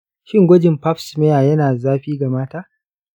shin gwajin pap smear yana da zafi ga mata?